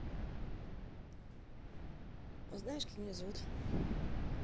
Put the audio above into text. а знаешь как меня зовут